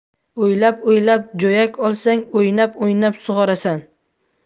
o'ylab o'ylab jo'yak olsang o'ynab o'ynab sug'orasan